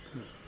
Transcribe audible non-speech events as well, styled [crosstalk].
[hesitation] [hesitation]